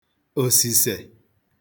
òsìsè